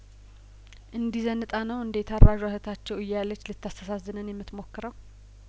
እንዲህ ዘንጣ ነው እንዴ ታራዧ እህታችሁ እያለች ልታስ ተዛዝን የምት ሞክረው